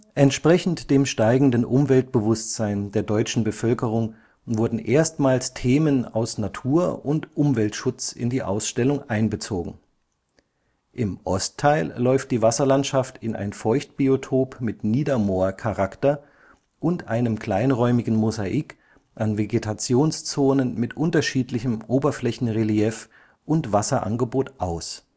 Entsprechend dem steigenden Umweltbewusstsein der deutschen Bevölkerung wurden erstmals Themen aus Natur - und Umweltschutz in die Ausstellung einbezogen. Im Ostteil läuft die Wasserlandschaft in ein Feuchtbiotop mit Niedermoor-Charakter und einem kleinräumigen Mosaik an Vegetationszonen mit unterschiedlichem Oberflächenrelief und Wasserangebot aus